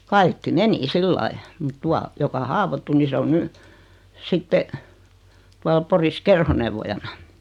kaikki meni sillä lailla mutta tuo joka haavoittui niin se on nyt sitten tuolla Porissa kerhoneuvojana